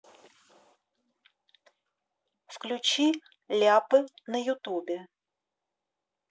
включи ляпы на ютубе